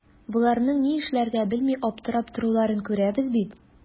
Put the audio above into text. Боларның ни эшләргә белми аптырап торуларын күрәбез бит.